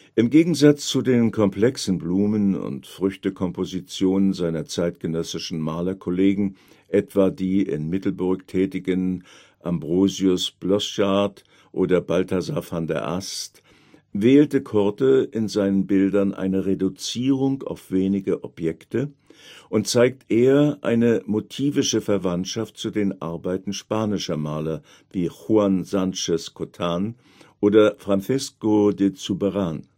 Im Gegensatz zu den komplexen Blumen - und Früchtekompositionen seiner zeitgenössischen Malerkollegen, etwa die in Middelburg tätigen Ambrosius Bosschaert oder Balthasar van der Ast, wählte Coorte in seinen Bildern eine Reduzierung auf wenige Objekte und zeigt eher eine motivische Verwandtschaft zu den Arbeiten spanischer Maler wie Juan Sánchez Cotán oder Francisco de Zurbarán